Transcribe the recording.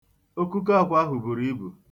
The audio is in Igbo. Okuko akwa ahụ buru ibu.